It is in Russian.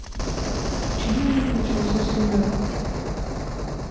почему выключился сериал